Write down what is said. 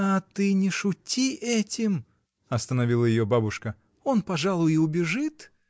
— А ты не шути этим, — остановила ее бабушка, — он, пожалуй, и убежит.